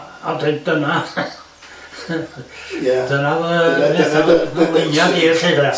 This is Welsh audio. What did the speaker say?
A 'dyn dyna ... Ia... dyna